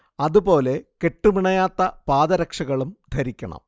അതു പോലെ കെട്ടു പിണയാത്ത പാദരക്ഷകളും ധരിക്കണം